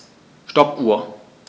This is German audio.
Stoppuhr.